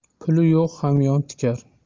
puli yo'q hamyon tikar